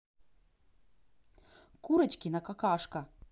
курочкина какашка